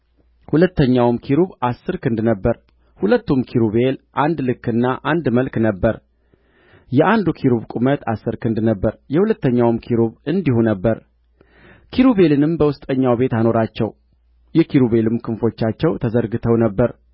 ሁለተኛውም ኪሩብ አሥር ክንድ ነበረ ሁለቱም ኪሩቤል አንድ ልክና አንድ መልክ ነበረ የአንዱ ኪሩብ ቁመት አሥር ክንድ ነበረ የሁለተኛውም ኪሩብ እንዲሁ ነበረ ኪሩቤልንም በውስጠኛው ቤት አኖራቸው የኪሩቤልም ክንፎቻቸው ተዘርግተው ነበር